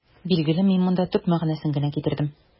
Билгеле, мин монда төп мәгънәсен генә китердем.